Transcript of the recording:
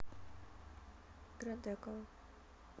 гродекова